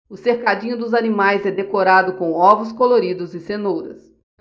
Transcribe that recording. o cercadinho dos animais é decorado com ovos coloridos e cenouras